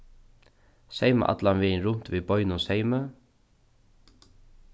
seyma allan vegin runt við beinum seymi